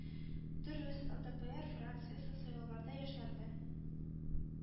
Дөрес, элдыпыэр фракциясе сайлауларда яшьләрнең